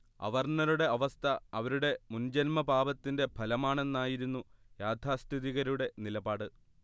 അവർണ്ണരുടെ അവസ്ഥ അവരുടെ മുൻജന്മപാപത്തിന്റെ ഫലമാണെന്നായിരുന്നു യാഥാസ്ഥിതികരുടെ നിലപാട്